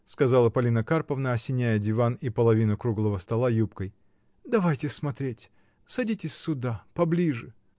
— сказала Полина Карповна, осеняя диван и половину круглого стола юбкой, — давайте смотреть! Садитесь сюда, поближе!.